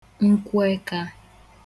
nkwoeka